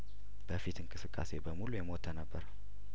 በፊት እንቅስቃሴ በሙሉ የሞተ ነበር